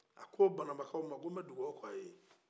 a ko banambakaw ma ko n bɛ duwawu k'aw ye